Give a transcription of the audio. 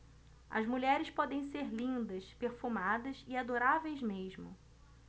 as mulheres podem ser lindas perfumadas e adoráveis mesmo